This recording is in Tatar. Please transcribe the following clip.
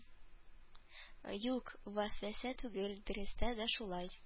Юк, вәсвәсә түгел, дөрестә дә шулай.